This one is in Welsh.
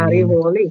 Ar ei hôl 'i....